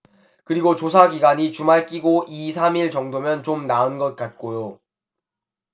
그리고 조사 기간이 주말 끼고 이 삼 일 정도면 좀 나은 것 같고요